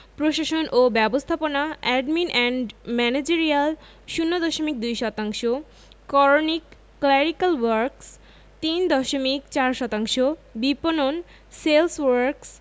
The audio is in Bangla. প্রশাসন ও ব্যবস্থাপনা এডমিন এন্ড ম্যানেজেরিয়াল ০ দশমিক ২ শতাংশ করণিক ক্ল্যারিক্যাল ওয়ার্ক্স ৩ দশমিক ৪ শতাংশ বিপণন সেলস ওয়ার্ক্স